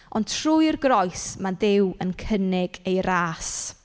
Ond trwy'r groes mae Duw yn cynnig ei râs.